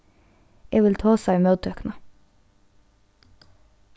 eg vil tosa við móttøkuna